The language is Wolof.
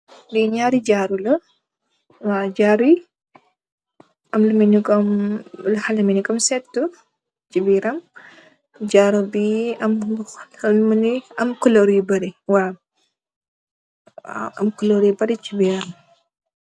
Lii ñaari jaaru la, waaw jaaru yi, dafa am lu melni lu xala mel kom séétu si biiram. Jaaru bi am ay kuloor yu bëri, waaw, am kuloor yu biiram.